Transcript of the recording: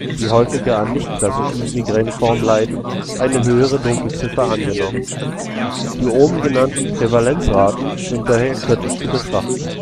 die häufiger an nichtklassischen Migräneformen leiden, eine höhere Dunkelziffer angenommen. Die obengenannten Prävalenzraten sind daher kritisch zu betrachten